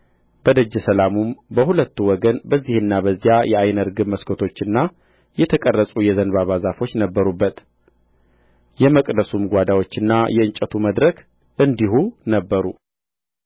በደጀ ሰላሙም በሁለቱ ወገን በዚህና በዚያ የዓይነ ርግብ መስኮቶችና የተቀረጹ የዘንባባ ዛፎች ነበሩበት የመቅደሱም ጓዳዎችና የእንጨቱ መድረክ እንዲሁ ነበሩ